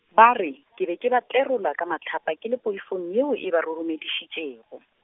ba re, ke be ke ba tlerola ka mahlapa ke le poifong yeo e ba roromedišitšego.